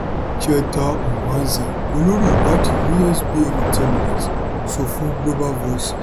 Cheta Nwanze, Olórí Ìwádìí ní SBM Intelligence sọ fún Globa Voices: